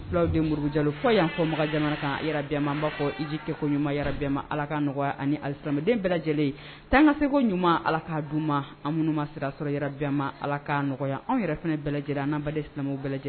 Fulaw de muruurujalo fɔ y'a fɔ ma jamana kan yɛrɛ bɛɛma b'a fɔ ijikɛko ɲuman yɛrɛ bɛɛma ala ka nɔgɔya ani alisaden bɛɛ lajɛlen ye tan an ka seko ɲuman ala ka dun uuma an minnuma sirasɔrɔ yɛrɛ bɛnma ala ka nɔgɔya anw yɛrɛ fana bɛɛ lajɛlen an bali sinaw bɛɛ lajɛlen